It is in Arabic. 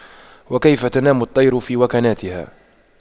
وكيف تنام الطير في وكناتها